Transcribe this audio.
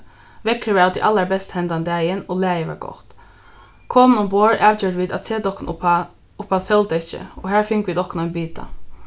veðrið var av tí allarbesta hendan dagin og lagið var gott komin umborð avgjørdu vit at seta okkum uppá uppá sóldekkið og har fingu vit okkum ein bita